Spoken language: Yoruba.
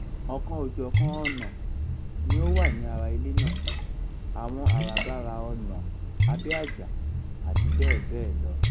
Ọ̀kanòjọ̀kan ọnà ni ó wà ní ara ilé náà — àwọn àràbarà ọnà abẹ́ àjà àti bẹ́ẹ̀ bẹ́ẹ̀ lọ.